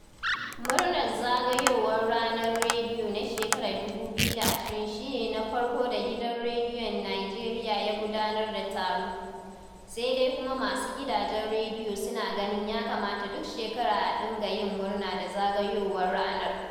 Murnar zagayowar Ranar Rediyo na shekarar 2020 shi ne na farko da gidan rediyon Nijeriya ya gudanar da taro, sai dai kuma masu gidajen rediyo suna ganin ya kamata duk shekara a dinga yin murna da zagayowar ranar.